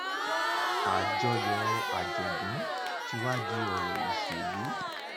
Àjọyọ̀ àjọ̀dún ti wá di ọ̀rọ̀ ìṣèlú.